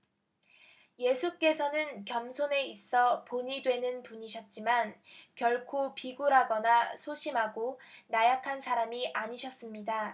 예수께서는 겸손에 있어서 본이 되는 분이셨지만 결코 비굴하거나 소심하고 나약한 사람이 아니셨습니다